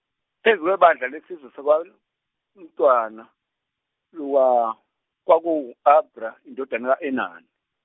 phezu kwebandla lesizwe saban- -ntwana lwa- kwaku-Abra indodana Enan-.